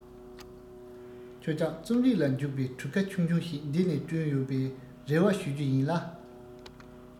ཁྱོད ཅག རྩོམ རིག ལ འཇུག པའི གྲུ ག ཆུང ཆུང ཞིག འདི ནས བསྐྲུན ཡོད པའི རེ བ ཞུ རྒྱུ ཡིན ལ